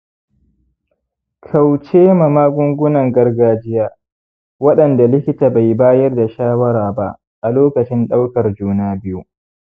kaucema magungunan gargajiya waɗanda likita bai bayar da shawara ba a lokacin ɗaukar juna-biyu